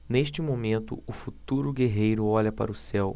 neste momento o futuro guerreiro olha para o céu